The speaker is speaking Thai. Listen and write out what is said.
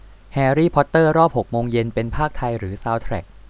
แฮรี่พอตเตอร์รอบหกโมงเย็นเป็นพากย์ไทยหรือซาวด์แทรก